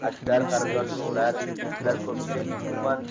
aksar qarindosh urug'lar ular ko'pchilik umuman